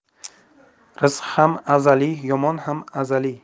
rizq ham azaliy yomon ham azaliy